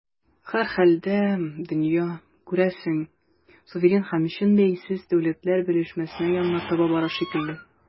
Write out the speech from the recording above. Һәрхәлдә, дөнья, күрәсең, суверен һәм чын бәйсез дәүләтләр берләшмәсенә янына таба бара шикелле.